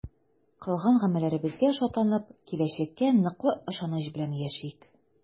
Кылган гамәлләребезгә шатланып, киләчәккә ныклы ышаныч белән яшик!